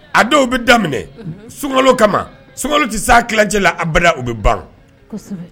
A dɔw bɛ daminɛ sun kama sun tɛ se kɛlɛjɛla abada u bɛ ban